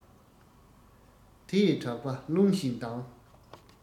དེ ཡི གྲགས པ རླུང བཞིན ལྡང